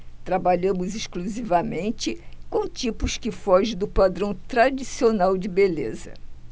trabalhamos exclusivamente com tipos que fogem do padrão tradicional de beleza